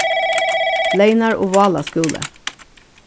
leynar og vála skúli